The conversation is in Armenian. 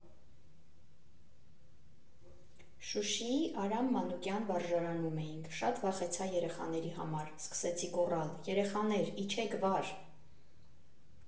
Շուշիի Արամ Մանուկյան վարժարանում էինք, շատ վախեցա երեխաների համար, սկսեցի գոռալ «երեխաներ, իջեք վար»։